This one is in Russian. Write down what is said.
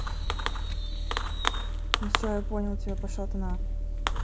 ну все я тебя понял пошла ты на